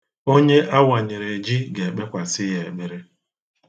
Onye a wanyere ji ga-ekpekwasị ya ekpere.